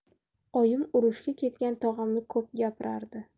oyim urushga ketgan tog'amni ko'p gapirardi